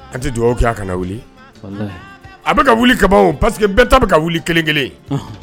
An tɛ dugawu kɛ a ka nan wuli a bɛka ka wuli kababaw parce que bɛɛ ta bɛ ka wuli 1 1.